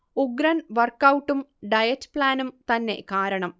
ഉഗ്രൻ വർക്ഔട്ടും ഡയറ്റ് പ്ലാനും തന്നെ കാരണം